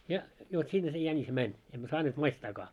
ja jo sinne se jänis meni emme saaneet maistaakaan